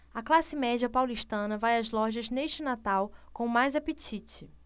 a classe média paulistana vai às lojas neste natal com mais apetite